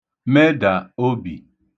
medà obì